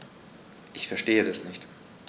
Ich verstehe das nicht.